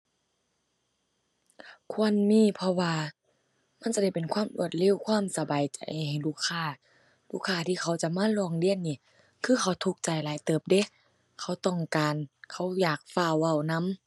ควรมี เพราะว่ามันสิได้เป็นความรวดเร็ว ความสบายใจให้ลูกค้า ลูกค้าที่เขาจะมาร้องเรียนนี่ คือเขาทุกข์ใจหลายเติบเดะ เขาต้องการ เขาอยากฟ้าวเว้านำ